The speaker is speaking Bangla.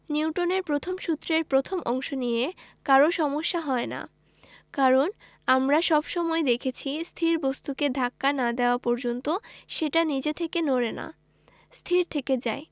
নিউটনের প্রথম সূত্রের প্রথম অংশ নিয়ে কারো সমস্যা হয় না কারণ আমরা সব সময়ই দেখেছি স্থির বস্তুকে ধাক্কা না দেওয়া পর্যন্ত সেটা নিজে থেকে নড়ে না স্থির থেকে যায়